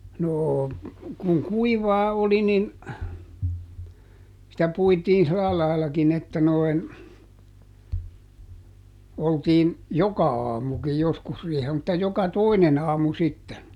noo kun kuivaa oli niin sitä puitiin sillä laillakin että noin oltiin joka aamukin joskus riihellä mutta joka toinen aamu sitten